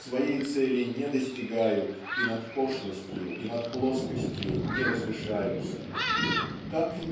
своей цели не достигают и над пошлостью и над плоскостью не возвышаются. Так